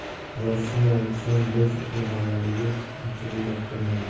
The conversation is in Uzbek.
rostini aytsam biz uni avvaliga unchalik yoqtirmadik